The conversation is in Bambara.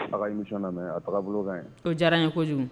A imi mɛ a taara bolo ka ko diyara ye kojugu